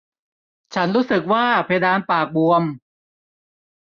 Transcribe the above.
ฉันรู้สึกว่าเพดานปากบวม